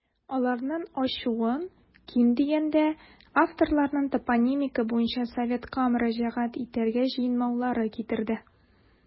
Аларның ачуын, ким дигәндә, авторларның топонимика буенча советка мөрәҗәгать итәргә җыенмаулары китерде.